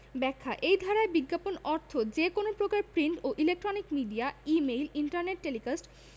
ব্যাখ্যাঃ এই ধারায় বিজ্ঞাপন অর্থ যে কোন প্রকার প্রিন্ট ও electronic media email internet telecast